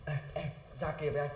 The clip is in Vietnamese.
em ra kia với anh